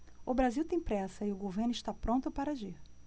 o brasil tem pressa e o governo está pronto para agir